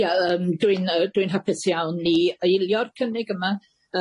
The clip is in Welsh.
Ia yym dwi'n yy dwi'n hapus iawn i eilio'r cynnig yma